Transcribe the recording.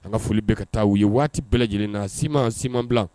An ka foli bɛ ka taa u ye waati bɛɛ lajɛlenna siman siman bila